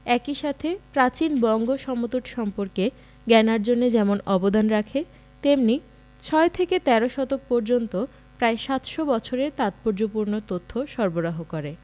একই সাথে প্রাচীন বঙ্গ সমতট সম্পর্কে জ্ঞানার্জনে যেমন অবদান রাখে তেমনি ছয় থেকে তেরো শতক পর্যন্ত প্রায় সাতশ বছরের তাৎপর্যপূর্ণ তথ্য সরবরাহ করে